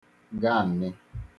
gaani